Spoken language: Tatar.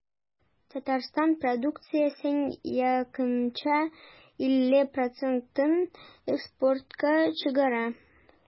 Татарстан продукциясенең якынча 50 процентын экспортка чыгара.